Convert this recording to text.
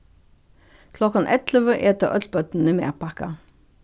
klokkan ellivu eta øll børnini matpakka